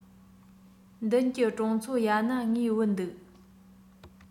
མདུན གྱི གྲོང ཚོ ཡ ན ངའི བུ འདུག